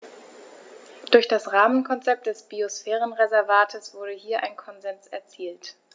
Durch das Rahmenkonzept des Biosphärenreservates wurde hier ein Konsens erzielt.